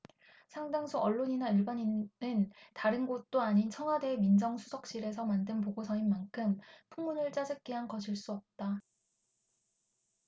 상당수 언론이나 일반인은다른 곳도 아닌 청와대의 민정수석실에서 만든 보고서인 만큼 풍문을 짜깁기한 것일 수 없다